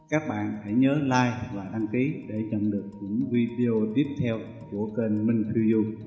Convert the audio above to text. các bạn nhớ like và đăng ký để nhận được những video tiếp theo của kênh minh phiêu du nhé